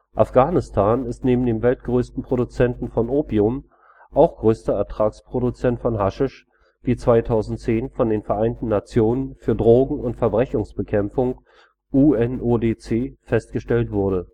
Afghanistan ist neben dem weltgrößten Produzenten von Opium auch größter Ertragsproduzent von Haschisch wie 2010 von den Vereinten Nationen für Drogen - und Verbrechensbekämpfung UNODC festgestellt wurde